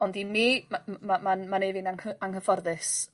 ond i mi ma' m- ma'n ma'n neu' fi'n anghy- anghyfforddus...